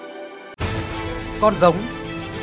con con giống